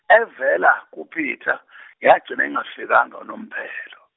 evela kuPeter , yagcina ingafikanga unomphela.